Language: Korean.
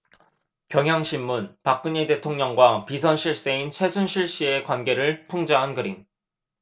경향신문 박근혜 대통령과 비선실세인 최순실씨의 관계를 풍자한 그림